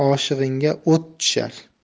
oshig'ingga o't tushar